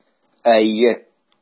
Әйе.